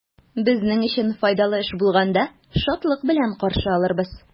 Безнең өчен файдалы эш булганда, шатлык белән каршы алырбыз.